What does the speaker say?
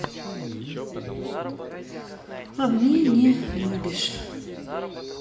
а мне не любишь